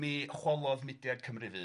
mi chwalodd mudiad Cymru Fydd.